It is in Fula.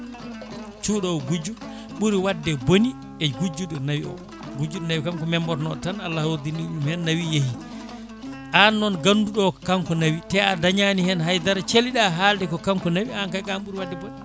cuuɗowo gujjo ɓuuri wadde booni e gujjuɗo naawi o gujjuɗo kaam ko membotonoɗo tan Allah hawridiniɗum hen naawi yeehi an noon ganduɗo o ko kanko naawi te a daañani hen haydara caaliɗa haalde ko kanko naawi an kayi ko an ɓuuri wadde